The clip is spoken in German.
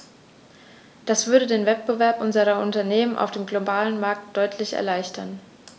Das würde den Wettbewerb unserer Unternehmen auf dem globalen Markt deutlich erleichtern.